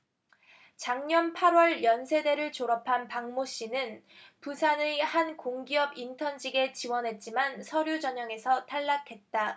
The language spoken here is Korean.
작년 팔 월 연세대를 졸업한 박모씨는 부산의 한 공기업 인턴 직에 지원했지만 서류 전형에서 탈락했다